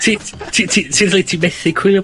Ti ti ti seriously ti methu cwyno